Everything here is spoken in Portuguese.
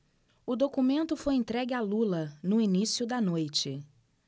o documento foi entregue a lula no início da noite